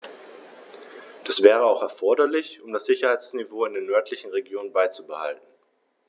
Das wäre auch erforderlich, um das Sicherheitsniveau in den nördlichen Regionen beizubehalten.